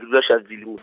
ke dula Sharpeville o.